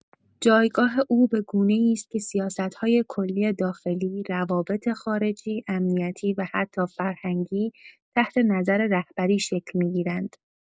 جایگاه او به‌گونه‌ای است که سیاست‌های کلی داخلی، روابط خارجی، امنیتی و حتی فرهنگی تحت نظر رهبری شکل می‌گیرند.